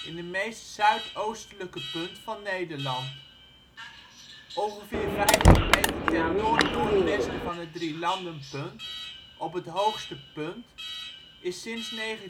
in de meest zuidoostelijke punt van Nederland. Ongeveer 50 meter ten noordnoordwesten van het drielandenpunt, op het hoogste punt, is sinds 1926